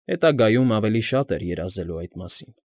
Հետագայում ավելի շատ էր երազելու այդ մասին։